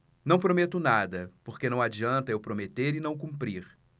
não prometo nada porque não adianta eu prometer e não cumprir